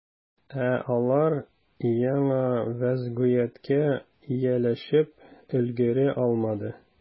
Ә алар яңа вәзгыятькә ияләшеп өлгерә алмады.